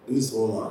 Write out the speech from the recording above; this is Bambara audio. I ni sɔn sɔgɔma